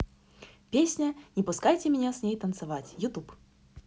песня не пускайте меня с ней танцевать youtube